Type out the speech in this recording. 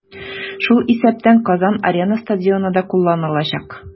Шул исәптән "Казан-Арена" стадионы да кулланылачак.